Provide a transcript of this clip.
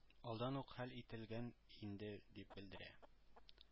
Алдан ук хәл ителгән инде, – дип белдерә.